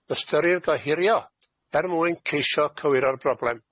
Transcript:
ystyrir gohirio er mwyn ceisio cywiro'r broblem.